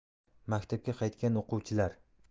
maktabga qaytgan o'quvchilar